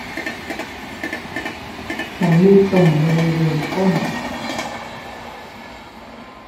ฉันมีตุ่มบริเวณก้น